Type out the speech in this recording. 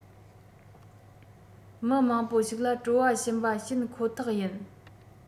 མི མང པོ ཞིག ལ སྤྲོ བ བྱིན པ བྱིན ཁོ ཐག ཡིན